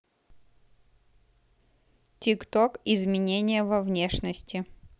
тик ток изменения во внешности